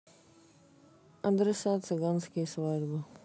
адреса цыганские свадьбы